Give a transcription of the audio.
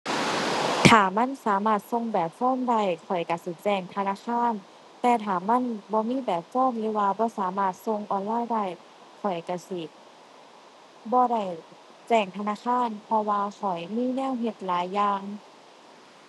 ถ้ามันสามารถส่งแบบฟอร์มได้ข้อยก็สิแจ้งธนาคาร แต่ถ้ามันบ่มีแบบฟอร์ม หรือว่าบ่สามารถส่งออนไลน์ได้ ข้อยก็สิบ่ได้แจ้งธนาคาร เพราะว่าข้อยมีแนวเฮ็ดหลายอย่าง